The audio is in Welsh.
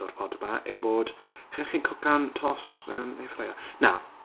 o'r pod yma yw bod chi'n gallu cwcan tost yn airfryer. Na.